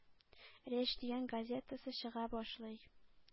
“речь” дигән газетасы чыга башлый.